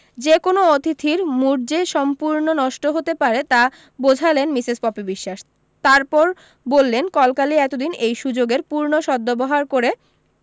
যে কোনো অতিথির মুড যে সম্পূর্ণ নষ্ট হতে পারে তা বোঝালেন মিসেস পপি বিশ্বাস তারপর বললেন কলকালি এতোদিন এই সু্যোগের পূর্ণ সদ্ব্যবহার করে